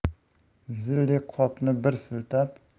zildek qopni bir siltab